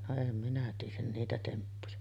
no en minä tiedä niitä temppuja